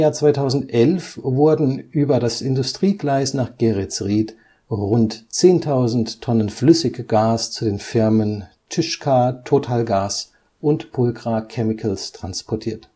2011 wurden über das Industriegleis nach Geretsried rund 10.000 Tonnen Flüssiggas zu den Firmen Tyczka Totalgaz und Pulcra Chemicals transportiert